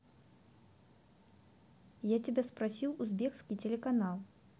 я тебя спросил узбекский телеканал